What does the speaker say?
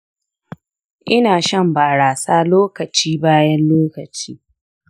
ina shan barasa lokaci-bayan-lokaci